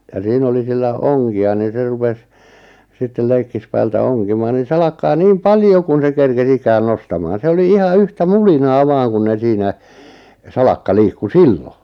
ja siinä oli sillä onkia niin se rupesi sitten leikkipäällä onkimaan niin salakkaa niin paljon kuin se kerkesi ikään nostamaan se oli ihan yhtä mulinaa vain kun ne siinä salakka liikkui silloin